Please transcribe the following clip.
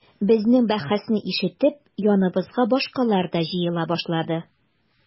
Безнең бәхәсне ишетеп яныбызга башкалар да җыела башлады.